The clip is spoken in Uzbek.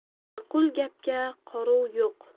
ma'qul gapga qoruv yo'q